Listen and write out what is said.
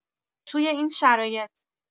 توی این شرایط